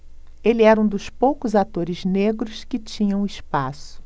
ele era um dos poucos atores negros que tinham espaço